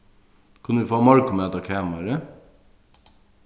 kunnu vit fáa morgunmat á kamarið